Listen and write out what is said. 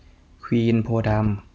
ควีนโพธิ์ดำ